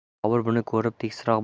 bobur buni ko'rib tekisroq